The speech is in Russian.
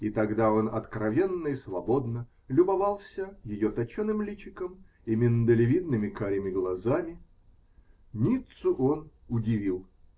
И тогда он откровенно и свободно любовался ее точеным личиком и миндалевидными карими глазами. Ниццу он удивил.